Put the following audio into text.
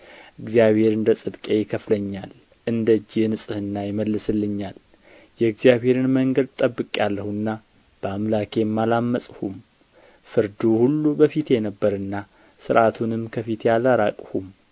እግዚአብሔር እንደ ጽድቄ ይከፍለኛል እንደ እጄ ንጽሕና ይመልስልኛል የእግዚአብሔርን መንገድ ጠብቄአለሁና በአምላኬም አላመፅሁም ፍርዱ ሁሉ በፊቴ ነበረና ሥርዓቱንም ከፊቴ አላራቅሁም